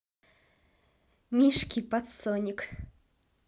мишки под sonic